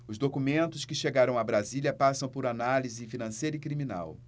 os documentos que chegaram a brasília passam por análise financeira e criminal